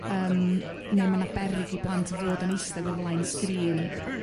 Yrm ne' ma' 'na berig i blant fod yn eistedd o flaen sgrin